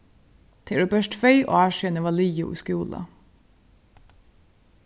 tað eru bert tvey ár síðan eg varð liðug í skúla